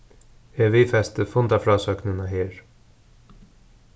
eg viðfesti fundarfrásøgnina her